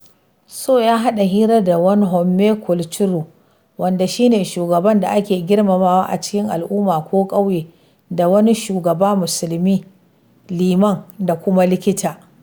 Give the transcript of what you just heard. Sow ya haɗa hira da wani “homme culturel,” wanda shi ne shugaban da ake girmamawa a cikin al’umma ko ƙauye, da wani shugaba Musulmi (liman) da kuma likita.